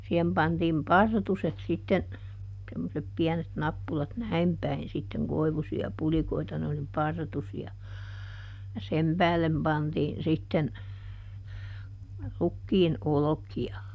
siihen pantiin partuset sitten semmoiset pienet nappulat näin päin sitten koivuisia pulikoita ne oli partusia ja sen päälle pantiin sitten rukiin olkia